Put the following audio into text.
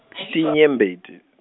tinyembeti.